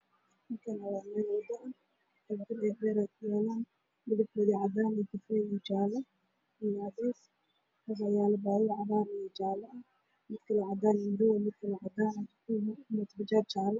Waa meel wado dabaqyo dhaadheer ayaa kuyaalo